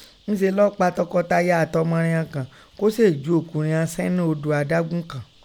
Ńse lọ́ pa tọkọtaya ati ọmọ riọn kan, ko sèèi ju oku rinhọn sẹ́nu odò adágún kàn.